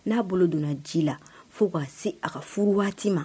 N'a bolo donna ji la fo ka se a ka furu waati ma